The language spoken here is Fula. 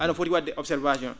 a?a foti wa?de observation